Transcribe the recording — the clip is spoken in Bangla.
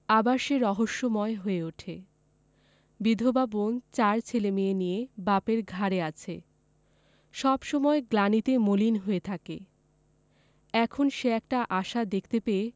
আবার সে রহস্যময় হয়ে উঠে বিধবা বোন চার ছেলেমেয়ে নিয়ে বাপের ঘাড়ে আছে সব সময় গ্লানিতে মলিন হয়ে থাকে এখন সে একটা আশা দেখতে পেয়ে